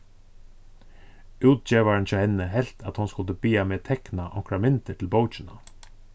útgevarin hjá henni helt at hon skuldi biða meg tekna onkrar myndir til bókina